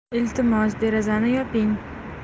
iltimos derazani yoping